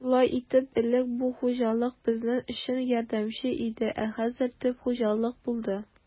Шулай итеп, элек бу хуҗалык безнең өчен ярдәмче иде, ә хәзер төп хуҗалык булды.